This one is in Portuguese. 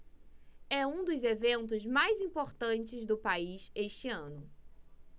é um dos eventos mais importantes do país este ano